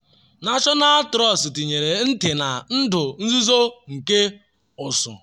National Trust tinyere ntị na ndụ nzuzo nke ụsụ